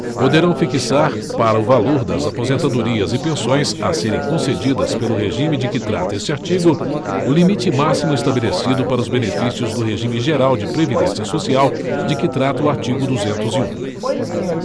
poderão fixar para o valor das aposentadorias e pensões a serem concedidas pelo regime de que trata este artigo o limite máximo estabelecido para os benefícios do regime geral de previdência social de que trata o artigo duzentos e um